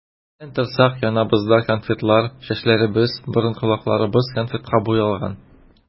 Иртән торсак, яныбызда конфетлар, чәчләребез, борын-колакларыбыз конфетка буялган.